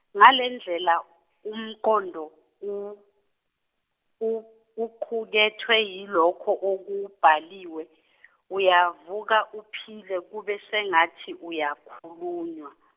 ngalendlela, umqondo u- u- oqukethwe yilokho okubhaliwe, uyavuka uphile kubesengathi uyakhulunywa.